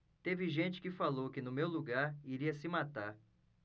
teve gente que falou que no meu lugar iria se matar